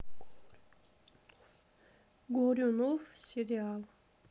горюнов сериал